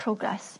progress.